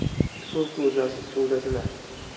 suv ko'zasi suvda sinar